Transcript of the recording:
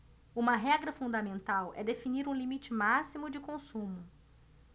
uma regra fundamental é definir um limite máximo de consumo